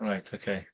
Reit, okay.